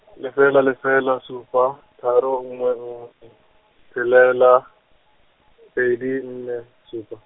lefela lefela, supa, tharo nngwe nngwe , tshelela, pedi nne supa.